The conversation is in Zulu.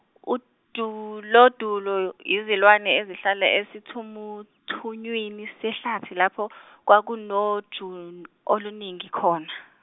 udulodulo izilwane ezihlala esithumuthunywini sehlathi lapho kwakunoju oluningi khona.